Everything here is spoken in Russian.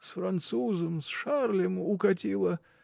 — С французом, с Шарлем укатила!